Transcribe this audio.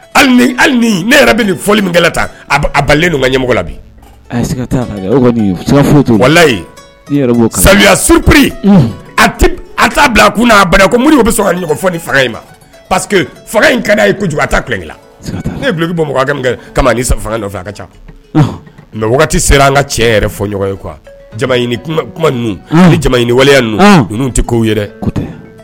Hali ne yɛrɛ fɔli min ta kamɔgɔ biyi sayaurupri a a t'a bila a'a mori bɛ sɔrɔ ka ɲɔgɔnfɔ fanga in ma paseke fanga in ka ye kojugu a neki bɔ min kɛ ka nɔfɛ ka ca mais wagati sera an ka cɛ yɛrɛ fɔ ɲɔgɔn ye ni waleya ninnu tɛ ko yɛrɛ